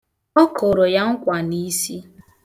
Ọ kụrụ ya nkwa n' isi.